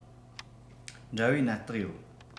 འདྲ བའི ནད རྟགས ཡོད